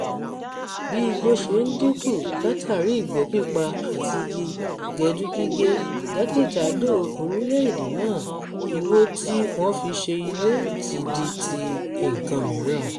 Bí igbó ṣe ń dínkù látàrí ìgbẹ́ pípa àti igi gẹdú gígé jákèjádò orílẹ̀ èdè náà, igbó tí wọ́n fi ṣe ilé ti di ti nǹkan mìíràn.